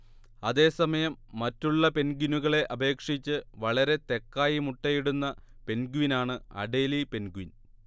അതേസമയം മറ്റുള്ള പെൻഗ്വിനുകളെ അപേക്ഷിച്ച് വളരെ തെക്കായി മുട്ടയിടുന്ന പെൻഗ്വിനാണ് അഡേലി പെൻഗ്വിൻ